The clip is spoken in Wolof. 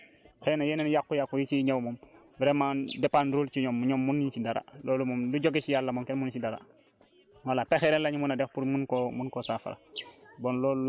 parce que gis nañ tool yu bëri moom vraiment macha allah dafa set amul benn jafe-jafe xëy na yeneen yàqu-yàqu yi ciy ñëw moom vraiment dépendre lul ci ñoom ñoom munuñ ci dara loolu moom lu jógee si yàlla moom kenn mënu si dara